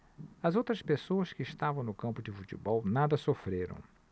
as outras pessoas que estavam no campo de futebol nada sofreram